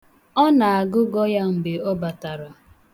Ọ na-agụgọ ya mgbe ọ batara.